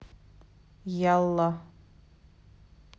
ялла